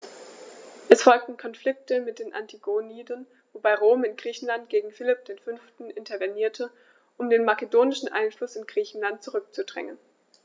Es folgten Konflikte mit den Antigoniden, wobei Rom in Griechenland gegen Philipp V. intervenierte, um den makedonischen Einfluss in Griechenland zurückzudrängen.